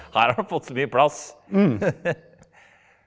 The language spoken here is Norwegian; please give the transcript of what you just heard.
her har han fått så mye plass .